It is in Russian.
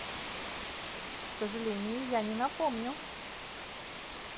к сожалению я не напомню